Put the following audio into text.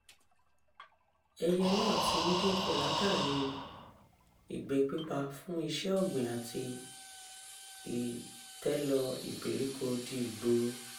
Ẹyẹ náà ti ń dínkù látàrí ìgbẹ́ pípa fún iṣẹ́ ọ̀gbìn àti ìtẹ́lọ ìgbèríko di ìgboro.